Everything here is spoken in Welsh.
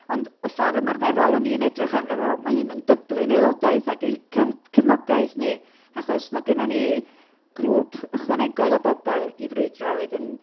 Ond y ffor' ymarferol o'n i'n edrych arno fo, ma' hyn yn dyblu'n aelodaeth ac ein c- cefnogaeth ni, achos ma' gennyn ni grŵp ychwanegol o bobl i frwydro a wedyn